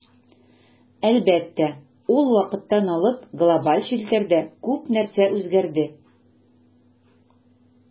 Әлбәттә, ул вакыттан алып глобаль челтәрдә күп нәрсә үзгәрде.